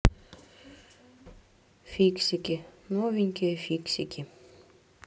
фиксики новенькие фиксики